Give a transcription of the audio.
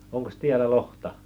onkos täällä lohta